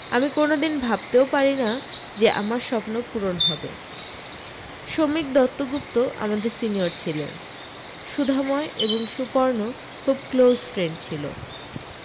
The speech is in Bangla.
আমি কোনো দিন ভাবতেও পারিনা যে আমার স্বপ্ন পূরণ হবে সমীক দত্ত গুপ্ত আমাদের সিনিয়র ছিলেন সুধাময় এবং সুপর্ন খুব ক্লোজ ফ্রেন্ড ছিলো